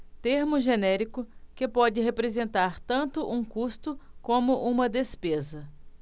termo genérico que pode representar tanto um custo como uma despesa